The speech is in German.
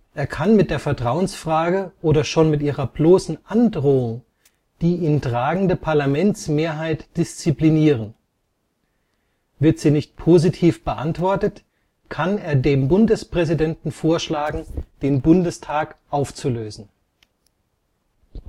Er kann mit der Vertrauensfrage oder schon mit ihrer bloßen Androhung die ihn tragende Parlamentsmehrheit disziplinieren. Wird sie nicht positiv beantwortet, kann er dem Bundespräsidenten vorschlagen, den Bundestag aufzulösen. Die